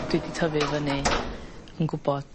Dwi 'di tyfu fyny yn gwbod